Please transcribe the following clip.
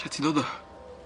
Lle ti'n dod o?